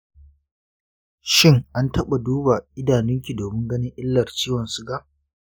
shin an taɓa duba idanunki domin ganin illar ciwon suga?